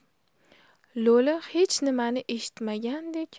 lo'li hech nimani eshitmagandek